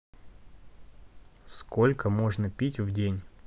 сколько можно пить в день